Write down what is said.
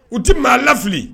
U tɛ maa lafili